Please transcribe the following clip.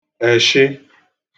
èshị